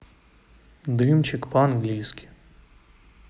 дымчик по английски